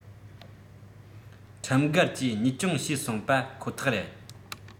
ཁྲིམས འགལ གྱིས གཉེར སྐྱོང བྱས སོང པ ཁོ ཐག རེད